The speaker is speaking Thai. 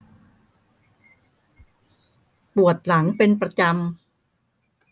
ปวดหลังเป็นประจำ